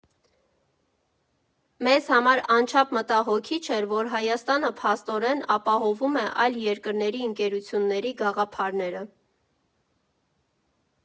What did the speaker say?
Մեզ համար անչափ մտահոգիչ էր, որ Հայաստանը, փաստորեն, սպասարկում է այլ երկրների ընկերությունների գաղափարները»։